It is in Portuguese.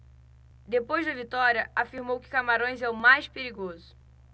depois da vitória afirmou que camarões é o mais perigoso